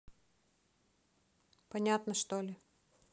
понятно что ли